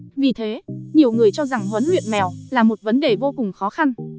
vì thế nhiều người cho rằng huấn luyện mèo là một vấn đề vô cùng khó khăn